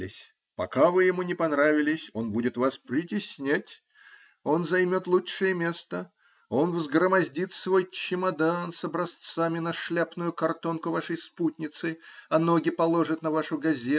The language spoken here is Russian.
Пока вы ему не понравились, он будет вас притеснять, он займет лучшее место, он взгромоздит свой чемодан с образцами на шляпную картонку вашей спутницы, а ноги положит на вашу газету.